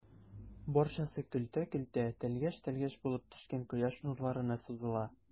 Барчасы көлтә-көлтә, тәлгәш-тәлгәш булып төшкән кояш нурларына сузыла.